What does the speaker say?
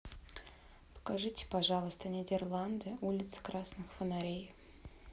покажите пожалуйста нидерланды улица красных фонарей